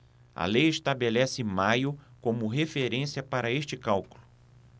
a lei estabelece maio como referência para este cálculo